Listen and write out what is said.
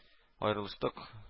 Аерылыштык